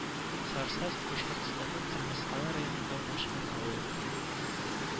Сарсаз Башкортстанның Кырмыскалы районында урнашкан авыл